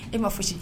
E ma fosi